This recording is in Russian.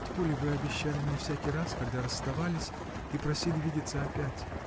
— То ли вы обещали мне всякий раз, когда расставались и просили видеться опять?